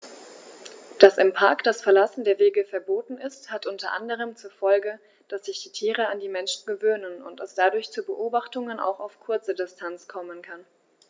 Dass im Park das Verlassen der Wege verboten ist, hat unter anderem zur Folge, dass sich die Tiere an die Menschen gewöhnen und es dadurch zu Beobachtungen auch auf kurze Distanz kommen kann.